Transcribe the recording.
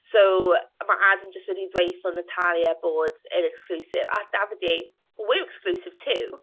So mae Adam jyst wedi dweutho Natalie bod e'n exclusive". A aeth Davide "we're exclusive too".